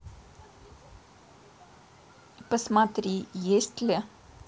посмотри есть ли